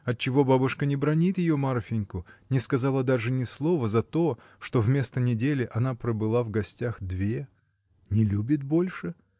Отчего бабушка не бранит ее, Марфиньку: не сказала даже ни слова за то, что вместо недели она пробыла в гостях две? Не любит больше?